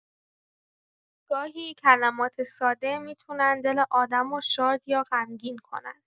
گاهی کلمات ساده می‌تونن دل آدمو شاد یا غمگین کنن.